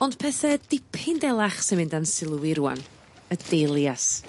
Ond pethe dipyn delach sy'n mynd a'n sylw i rŵan y dahlias.